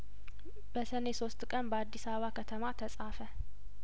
በሰኔ ሶስት ቀን በአዲስአባ ከተማ ተጻፈ